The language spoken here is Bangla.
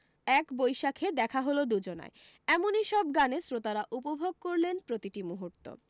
এক বৈশাখে দেখা হল দু জনায় এমনি সব গানে শ্রোতারা উপভোগ করলেন প্রতিটি মূহুর্ত